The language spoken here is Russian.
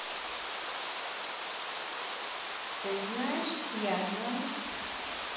ты знаешь я знаю